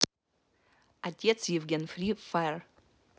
отец евген фри фаер